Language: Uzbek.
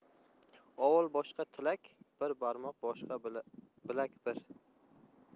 ovul boshqa tilak bir barmoq boshqa bilak bir